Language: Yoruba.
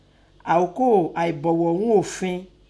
Àókò aibogho un ofi.